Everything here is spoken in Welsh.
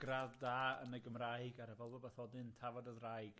Gradd da yn y Gymraeg ar y Volvo bathodyn, Tafod y Ddraig.